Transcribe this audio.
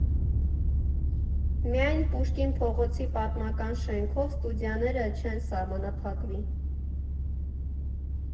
Միայն Պուշկին փողոցի պատմական շենքով Ստուդիաները չեն սահմանափակվի.